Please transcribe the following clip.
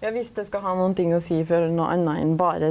ja viss det skal ha nokon ting å seia for noko anna enn berre